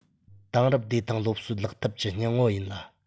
དེང རབས བདེ ཐང སློབ གསོའི ལག ཐབས ཀྱི སྙིང བོ ཡིན ལ